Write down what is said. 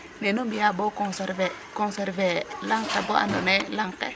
ne nu mbi'aa bo conserver lang ke bo andoona ye lang ke ?